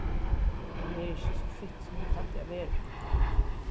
hon er ikki so fitt sum hon plagdi at vera